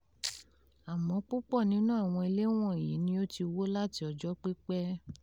Àmọ́ púpọ̀ nínú àwọn ilé wọ̀nyí ni ó ti wó láti ọjọ́ pípẹ́.